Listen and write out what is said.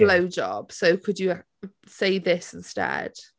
"Blowjob, so could you say this instead?"